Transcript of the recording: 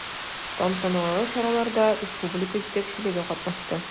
Тантаналы чараларда республика җитәкчелеге катнашты.